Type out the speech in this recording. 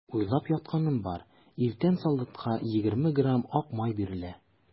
Уйлап ятканым бар: иртән солдатка егерме грамм ак май бирелә.